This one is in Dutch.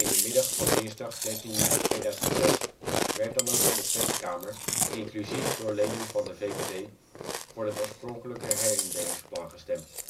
de middag van dinsdag 13 juni 2006 werd dan ook in de Tweede Kamer (inclusief door leden van VVD) voor het oorspronkelijke herindelingsplan gestemd